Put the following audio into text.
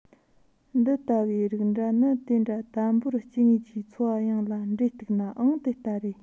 འདི ལྟ བུའི རིགས འདྲ ནི དེ འདྲ དམ པོར སྐྱེ དངོས ཀྱི འཚོ བ ཡོངས ལ འབྲེལ འདུག ནའང དེ ལྟ རེད